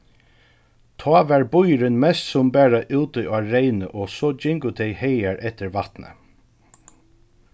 tá var býurin mestsum bara úti á reyni og so gingu tey hagar eftir vatni